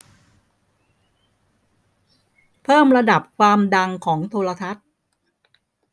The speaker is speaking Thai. เพิ่มระดับความดังของโทรทัศน์